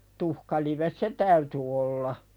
tuhkalive se täytyi olla